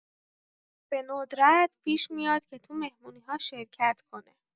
به‌ندرت پیش میاد که تو مهمونی‌ها شرکت کنه.